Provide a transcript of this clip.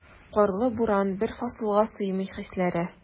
Карлы буран, бер фасылга сыймый хисләре.